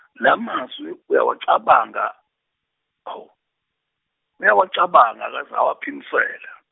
lamazwi uyawacabanga hawu, uyawacabanga akaze awaphimisela.